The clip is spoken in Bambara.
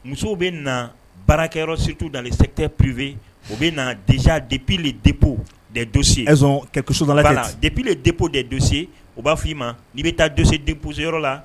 Musow bɛ naa baarakɛyɔrɔ surtout dans les secteurs privés u bɛ na déjà dépuis le dépot des dossiers elles ont quelque chose dans leur tete voilà dépuis le dépot des dossiers u b'a f'i ma n'i bɛ taa dossier déposer yɔrɔ la